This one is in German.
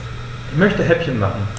Ich möchte Häppchen machen.